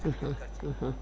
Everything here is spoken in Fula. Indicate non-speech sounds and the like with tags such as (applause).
(hesitation) (hesitation)